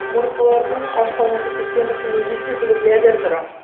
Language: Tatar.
Умырткалыларның ашкайнату системасы нинди төп бүлекләрдән тора?